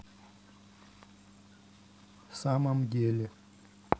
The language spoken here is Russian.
самом деле